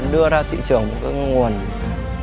đưa ra thị trường cái nguồn